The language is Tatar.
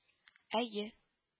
— әйе